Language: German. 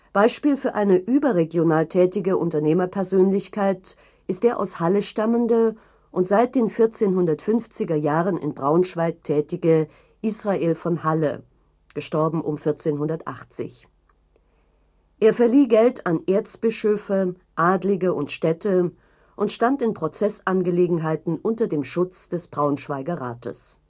Beispiel für eine überregional tätige Unternehmerpersönlichkeit ist der aus Halle stammende und seit den 1450er Jahren in Braunschweig tätige Israhel von Halle († um 1480). Er verlieh Geld an Erzbischöfe, Adlige und Städte und stand in Prozessangelegenheiten unter dem Schutz des Braunschweiger Rates